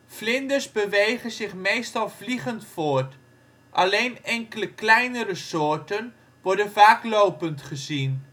Vlinders bewegen zich meestal vliegend voort, alleen enkele kleinere soorten worden vaak lopend gezien